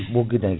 ɓoggui nayyi